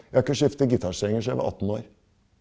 jeg har ikke skifta gitarstrenger sia jeg var 18 år.